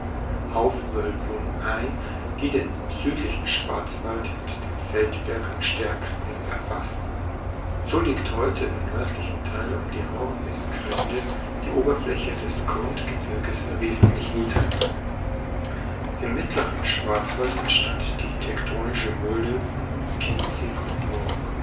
Aufwölbung ein, die den südlichen Schwarzwald mit dem Feldberg am stärksten erfasste. So liegt heute im nördlichen Teil um die Hornisgrinde die Oberfläche des Grundgebirges wesentlich niedriger. Im mittleren Schwarzwald entstand die tektonische Mulde von Kinzig und Murg